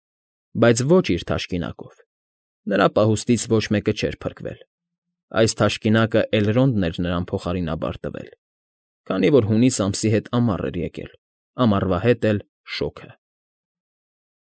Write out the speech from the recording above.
Բայց ոչ իր թաշկինակով, նրա պահուստից ոչ մեկը չէր փրկվել, այս թաշկինակը Էլնորդն էր նրան փոխարինաբար տվել, քանի որ հունիս ամսի հետ ամառ էր եկել, ամառվա հետ էլ՝ շոգը։